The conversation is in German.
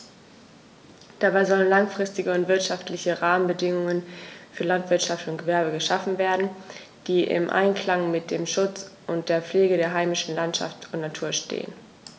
Dabei sollen langfristige und wirtschaftliche Rahmenbedingungen für Landwirtschaft und Gewerbe geschaffen werden, die im Einklang mit dem Schutz und der Pflege der heimischen Landschaft und Natur stehen.